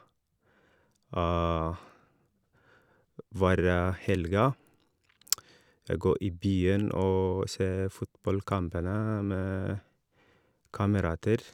Hver helga, jeg gå i byen og se fotballkampene med kamerater.